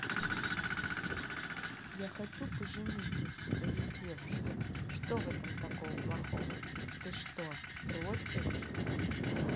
я хочу пожениться со своей девушкой что в этом такого плохого ты что против